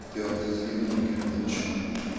ehtiyotsizlik eng katta dushman